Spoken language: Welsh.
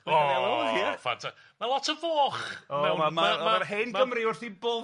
O, ffantasti- ma' lot o foch mewn ma' ma'... O ma'r- o'dd yr hen Gymru wrth 'i bodda.